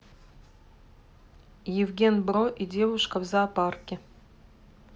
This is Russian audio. евген бро и девушка в зоопарке